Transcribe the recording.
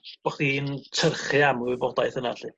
bo' chdi'n tyrchu am wybodaeth yna 'llu... hmm